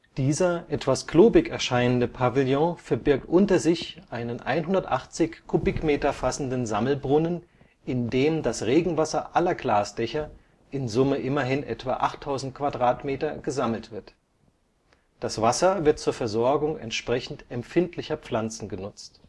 Dieser etwas klobig erscheinende Pavillon verbirgt unter sich einen 180 m³ fassenden Sammelbrunnen, in dem das Regenwasser aller Glasdächer, in Summe immerhin etwa 8000 m², gesammelt wird. Dieses Wasser wird zur Versorgung entsprechend empfindlicher Pflanzen genutzt